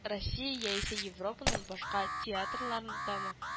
Россия яисә Европаның башка театрларындамы -